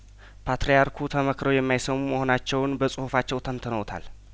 ፓትርያርኩ ተመክረው የማይሰሙ መሆናቸውን በጽሁፋቸው ተንትነውታል